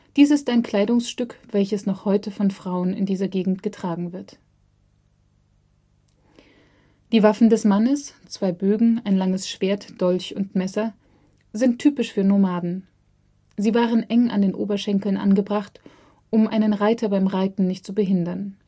Dies ist ein Kleidungsstück, welches noch heute von Frauen in dieser Gegend getragen wird. Die Waffen des Mannes (zwei Bögen, ein langes Schwert, Dolch und Messer) sind typisch für Nomaden. Sie waren eng an den Oberschenkeln angebracht, um einen Reiter beim Reiten nicht zu behindern